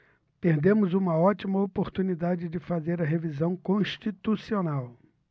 perdemos uma ótima oportunidade de fazer a revisão constitucional